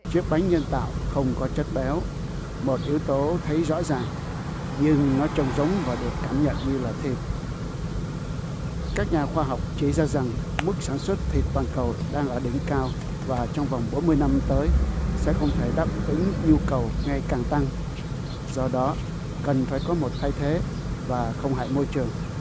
chiếc bánh nhân tạo không có chất béo một yếu tố thấy rõ ràng nhưng nó trông giống và được cảm nhận như là thịt các nhà khoa học chỉ ra rằng mức sản xuất thịt toàn cầu đang ở đỉnh cao và trong vòng bốn mươi năm tới sẽ không thể đáp ứng nhu cầu ngày càng tăng do đó cần phải có một thay thế và không hại môi trường